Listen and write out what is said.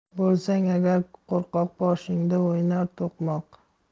bo'lsang agar qo'rqoq boshingda o'ynar to'qmoq